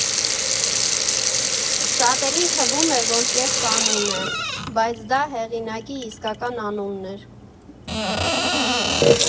Շատերին թվում էր, որ կեղծանուն է, բայց դա հեղինակի իսկական անունն էր։